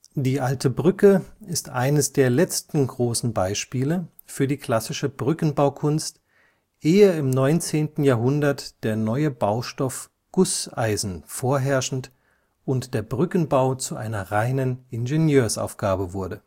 Die Alte Brücke ist eines der letzten großen Beispiele für die klassische Brückenbaukunst, ehe im 19. Jahrhundert der neue Baustoff Gusseisen vorherrschend und der Brückenbau zu einer reinen Ingenieursaufgabe wurde